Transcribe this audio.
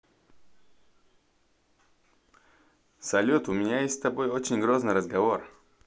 салют у меня есть с тобой очень грозный разговор